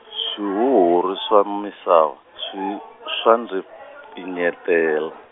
swihuhuri swa misava swi swa ndzi pfinyetela.